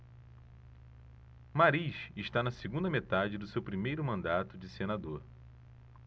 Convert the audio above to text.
mariz está na segunda metade do seu primeiro mandato de senador